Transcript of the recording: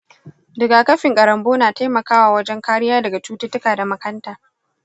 rigakafin karonbo na taimakawa wajen kariya daga cututtuka da makanta.